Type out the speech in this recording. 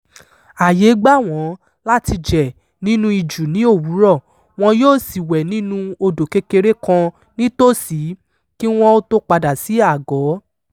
Ààyé gbà wọ́n láti jẹ̀ nínú ijù ní òwúrò, wọn yóò sì wẹ̀ nínú odò kékeré kan nítòsí kí wọn ó tó padà sí àgọ́.